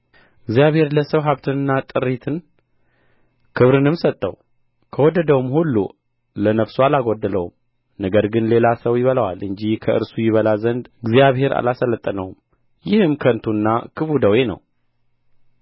እግዚአብሔር ለሰው ሀብትንና ጥሪትን ክብርንም ሰጠው ከወደደውም ሁሉ ለነፍሱ አልጐደለውም ነገር ግን ሌላ ሰው ይበላዋል እንጂ ከእርሱ ይበላ ዘንድ እግዚአብሔር አላሠለጠነውም ይህም ከንቱና ክፉ ደዌ ነው